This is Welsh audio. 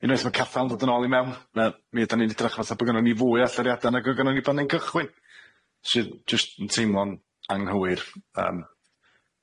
Unwaith ma' caffael yn dod yn ôl i mewn ma' mi ydan ni'n edrach fatha bo' gynnon ni fwy o alluriada nag o' gynnon ni pan ni'n cychwyn, sydd jyst yn teimlo'n anghywir yym.